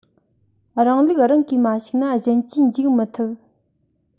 རང ལུགས རང གིས མ བཤིག ན གཞན གྱིས འཇིག མི ཐུབ